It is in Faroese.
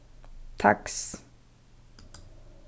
taks